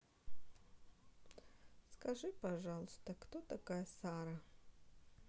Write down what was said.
скажи пожалуйста кто такая сара